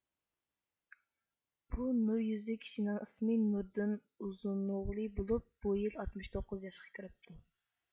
بۇ نۇر يۈزلۈك كىشىنىڭ ئىسمى نۇردىن ئۇزۇن ئوغلى بولۇپ بۇ يىل ئاتمىش توققۇز ياشقا كىرىپتۇ